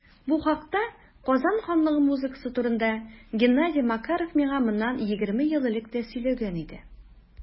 Бу хакта - Казан ханлыгы музыкасы турында - Геннадий Макаров миңа моннан 20 ел элек тә сөйләгән иде.